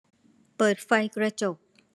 เปิดไฟกระจก